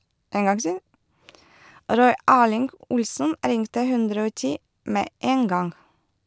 Roy Erling Olsen ringte 110 med en gang.